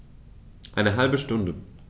Eine halbe Stunde